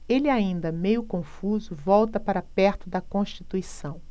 ele ainda meio confuso volta para perto de constituição